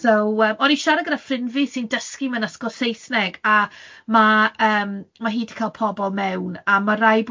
So yy o'n i'n siarad gyda ffrind fi sy'n dysgu mewn ysgol Saesneg a ma' yym ma' hi 'di cael pobl mewn a ma' rai'